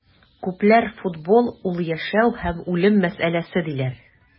Күпләр футбол - ул яшәү һәм үлем мәсьәләсе, диләр.